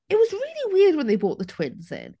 It was really weird when they brought the twins in.